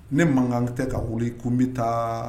Ne mankan ka tɛ ka wuli kun bɛ taa